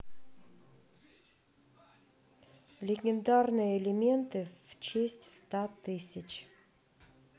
легендарные элементы в честь ста тысяч